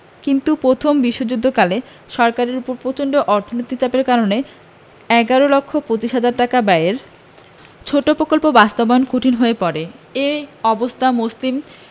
কিন্তু প্রথম বিশ্বযুদ্ধকালে সরকারের ওপর প্রচন্ড অর্থনৈতিক চাপের কারণে এগারো লক্ষ পচিশ হাজার টাকা ব্যয়ের ছোট প্রকল্প বাস্তবায়নও কঠিন হয়ে পড়ে এ অবস্থা মুসলিম